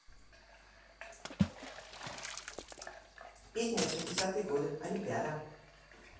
песни восьмидесятые годы олимпиада